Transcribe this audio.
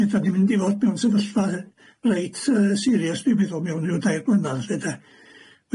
mi 'da ni'n mynd i fod mewn sefyllfa reit yy siris dwi'n meddwl mewn ryw dair blynadd lly 'de?